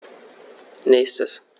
Nächstes.